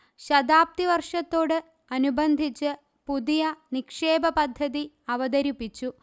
ശതാബ്ദി വർഷത്തോട് അനുബന്ധിച്ച് പുതിയ നിക്ഷേപ പദ്ധതി അവതരിപ്പിച്ചു